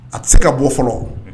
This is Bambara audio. A tɛ se ka bɔ fɔlɔ